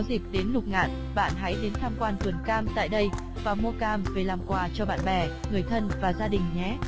nếu có dịp đến lục ngạn bạn hãy đến tham quan vườn cam tại đây và mua cam về làm quà cho bạn bè người thân và gia đình nhé